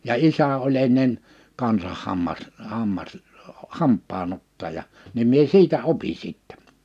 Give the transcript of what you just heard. ja isä oli ennen kanssa -- hampaan ottaja niin minä siitä opin sitten